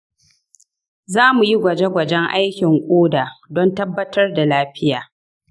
zamuyi gwaje-gwajen aikin ƙoda don tabbatar da lafiya.